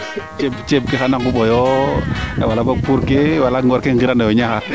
ceeb ke xana ngumboyo wala boog puur ke ngoor ke giran oyo Niakhar